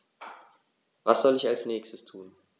Was soll ich als Nächstes tun?